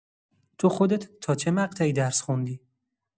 تو خودت تا چه مقطعی درس خوندی؟